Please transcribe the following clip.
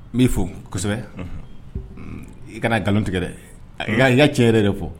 N b'i fo kosɛbɛ, unhun, i kana nkalon tigɛ dɛ, i ka tiɲɛ yɛrɛ yɛrɛ fɔ.